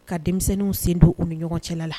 Ka denmisɛnninw sen don u ni ɲɔgɔn cɛla la